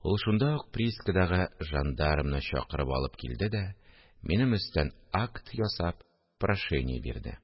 Ул шунда ук приискадагы жандармны чакырып алып килде дә, минем өстән акт ясап, прошение бирде